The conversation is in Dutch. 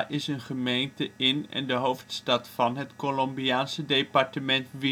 is een gemeente in en de hoofdstad van het Colombiaanse departement